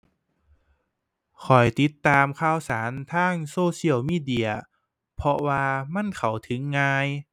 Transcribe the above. ข้อยติดตามข่าวสารทาง social media เพราะว่ามันเข้าถึงง่าย